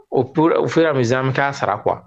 O o fɔra mu zsami taa sara kuwa